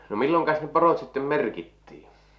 no milloinkas ne porot sitten merkittiin